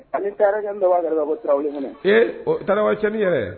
Ani taara da ko sira kɛnɛ ee tarawelec yɛrɛ